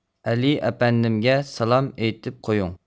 ئەلى ئەپەندىمگە سالام ئېيتىپ قويۇڭ